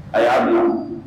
A y'a muru